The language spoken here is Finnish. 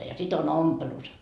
ja sitten on -